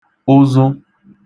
ụzụ